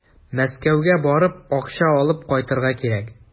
Мәскәүгә барып, акча алып кайтырга кирәк.